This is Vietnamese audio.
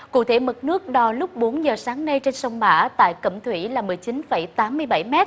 cụ thể mực nước đo lúc bốn giờ sáng nay trên sông mã tại cẩm thủy là mười chín phẩy tám mươi bảy mét